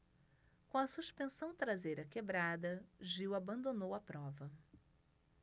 com a suspensão traseira quebrada gil abandonou a prova